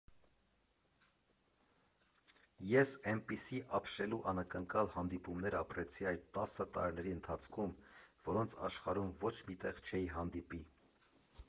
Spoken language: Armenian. Ես էնպիսի ապշելու անակնկալ հանդիպումներ ապրեցի այդ տասը տարիների ընթացքում, որոնց աշխարհում ոչ մի տեղ չէի հանդիպի։